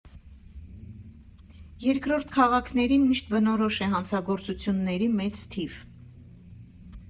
Երկրորդ քաղաքներին միշտ բնորոշ է հանցագործությունների մեծ թիվ։